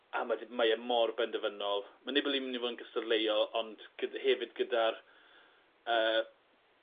A ma' 'di... Mae e mor benderfynol. Ma' Nibali myn' i fod yn gystadleuol ond gyd- hefyd gyda'r yy